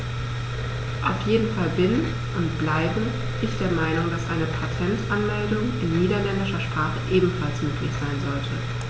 Auf jeden Fall bin - und bleibe - ich der Meinung, dass eine Patentanmeldung in niederländischer Sprache ebenfalls möglich sein sollte.